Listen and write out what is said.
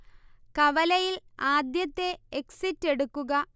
കവലയിൽ ആദ്യത്തെ എക്സിറ്റ് എടുക്കുക